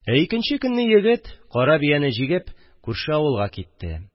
Ә икенче көнне егет кара бияне җигеп күрше авылга китте